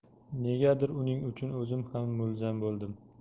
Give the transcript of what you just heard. negadir uning uchun o'zim ham mulzam bo'ldim